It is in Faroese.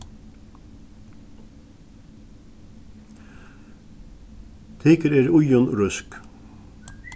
tykur eru íðin og røsk